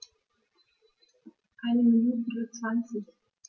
Eine Minute 20